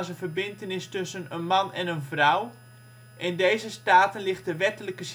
verbintenis tussen een man en een vrouw. In deze staten ligt de wettelijke